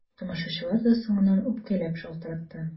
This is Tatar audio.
Тамашачылар да соңыннан үпкәләп шалтыратты.